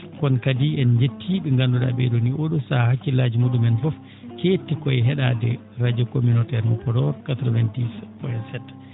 kono kadi en njettii ?e ngandu?aa ?ee ?oo ni oo?oo sahaa hakkillaaji muu?umen fof keetti koye he?aade radio communautaire mo Podor 90 POINT 7